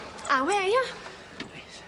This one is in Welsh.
Awe ia. Reit.